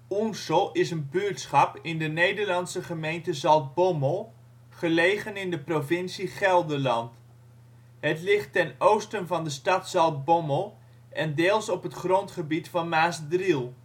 Oensel is een buurtschap in de Nederlandse gemeente Zaltbommel, gelegen in de provincie Gelderland. Het ligt ten oosten van de stad Zaltbommel en deels op het grondgebied van Maasdriel